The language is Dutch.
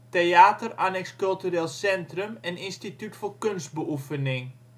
theater annex cultureel centrum en instituut voor kunstbeoefening